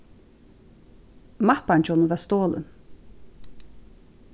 mappan hjá honum varð stolin